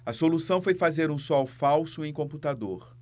a solução foi fazer um sol falso em computador